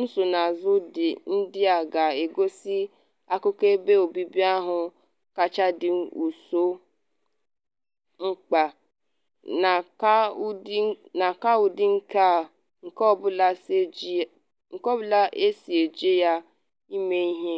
nsonazụ ndị a ga-egosi akụkụ ebe obibi ahụ kacha dị ụsụ mkpa na ka ụdị nke ọ bụla si eji ya eme ihe.